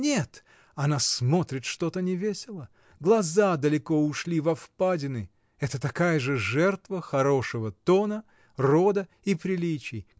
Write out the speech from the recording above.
— Нет, она смотрит что-то невесело, глаза далеко ушли во впадины: это такая же жертва хорошего тона, рода и приличий.